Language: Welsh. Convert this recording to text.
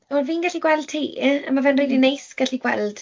Wel fi'n gallu gweld ti. A ma' fe'n rili neis gallu gweld.